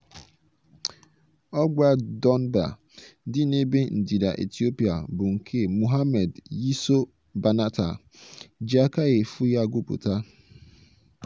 Ọgba Dunbar dị n'ebe ndịda Etiopia bụ nke Mohammed Yiso Banatah ji aka efu ya gwupụta.